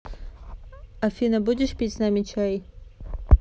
афина будешь пить с нами чай